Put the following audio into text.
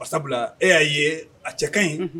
Masa sabulabila e y'a ye a cɛ ka ɲi